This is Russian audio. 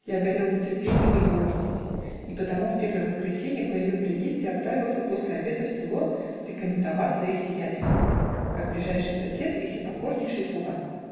я горел нетерпением ее увидеть, и потому в первое воскресение по ее приезде отправился после обеда в село *** рекомендоваться их сиятельствам, как ближайший сосед и всепокорнейший слуга.